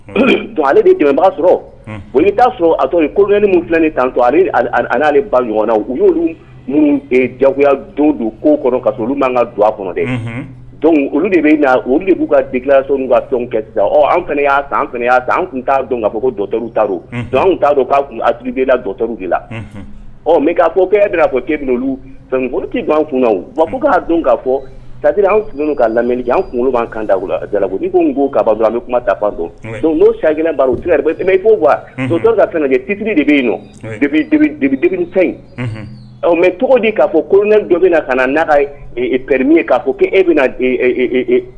Bon ale de'a sɔrɔ t'a sɔrɔto koonɛ tan to'ale ba ɲɔgɔn na u y'olu minnu jagoya don don ko ka olu'an ka kɔnɔ dɛ olu de bɛ olu de b'u ka t dɔn' fɔ t' k' kun de la ɔ mɛ k'a fɔ e b fɔ keolu' b' an kun wa fo k'a don k'a fɔ ta an tun ka lamini an kunkolo b'an kan da la a i ko n ko ka ban a ni kuma tafa dɔn n'o sa u ti i' so dɔ kajɛ tisiri de bɛ yen nɔ in mɛ cogo di'a fɔ koɛ dɔ bɛ na ka na pɛremi ye k'a ko e bɛ